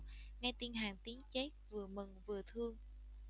nghe tin hàn tín chết vừa mừng vừa thương